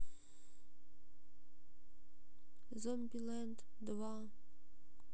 зомбилэнд два